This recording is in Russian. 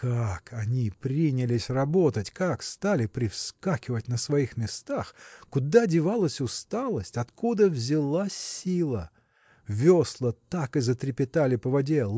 Как они принялись работать, как стали привскакивать на своих местах! куда девалась усталость? откуда взялась сила? Весла так и затрепетали по воде.